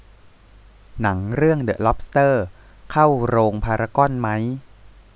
หนังเรื่องเดอะล็อบสเตอร์เข้าโรงพารากอนมั้ย